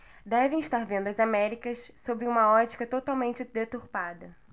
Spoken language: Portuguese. devem estar vendo as américas sob uma ótica totalmente deturpada